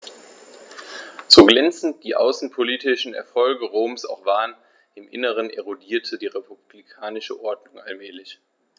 So glänzend die außenpolitischen Erfolge Roms auch waren: Im Inneren erodierte die republikanische Ordnung allmählich.